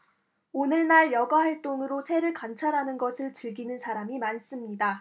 오늘날 여가 활동으로 새를 관찰하는 것을 즐기는 사람이 많습니다